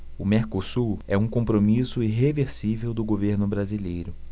o mercosul é um compromisso irreversível do governo brasileiro